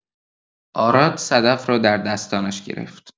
آراد صدف را در دستانش گرفت.